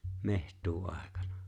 metsuuaikana